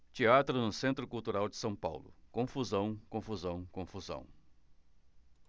teatro no centro cultural são paulo confusão confusão confusão